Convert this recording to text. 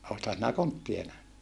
olethan sinä kontteja nähnyt